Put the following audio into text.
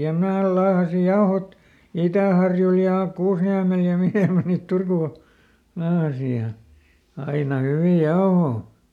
ja minä laahasin jauhot Itäharjulle ja Kuusniemelle ja mihin minä niitä Turkuun laahasin ja aina hyviä jauhoja